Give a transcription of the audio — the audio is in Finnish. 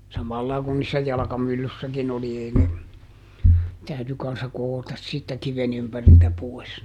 samalla lailla kuin niissä jalkamyllyissäkin oli ei ne täytyi kanssa koota siitä kiven ympäriltä pois ne